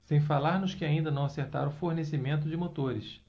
sem falar nos que ainda não acertaram o fornecimento de motores